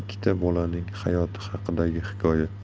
ikkita bolaning hayoti haqidagi hikoya